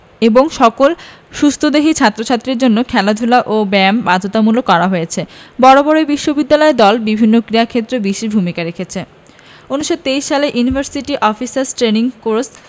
এবং সকল সুস্থদেহী ছাত্র ছাত্রীর জন্য খেলাধুলা ও ব্যায়াম বাধ্যতামূলক করা হয়েছে বরাবরই বিশ্ববিদ্যালয় দল বিভিন্ন ক্রীড়াক্ষেত্রে বিশেষ ভূমিকা রাখছে ১৯২৩ সালে ইউনিভার্সিটি অফিসার্স ট্রেইনিং ক্রপ্স